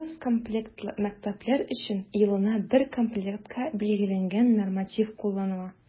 Аз комплектлы мәктәпләр өчен елына бер комплектка билгеләнгән норматив кулланыла.